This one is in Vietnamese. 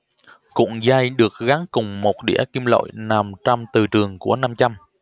cuộn dây được gắn cùng một đĩa kim loại nằm trong từ trường của nam châm